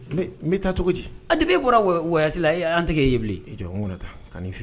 N bɛ taa cogo di a debe e bɔra la an tɛgɛ e ye bilen jɔn kɔnɔ ta kai fili